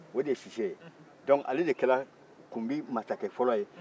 o de ye sise dɔnku ale de kɛra kunbi mansa kɛ fɔlɔ ye